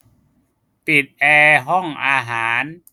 ปิดแอร์ห้องอาหาร